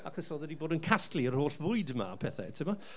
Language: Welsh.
Achos oedd e 'di bod yn casglu yr holl fwyd yma a pethau timod.